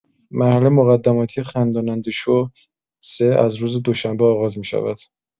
مرحله مقدماتی «خنداننده‌شو ۳» از روز دوشنبه آغاز می‌شود.